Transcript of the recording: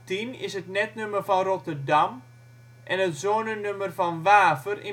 010 is het netnummer van Rotterdam en het zonenummer van Waver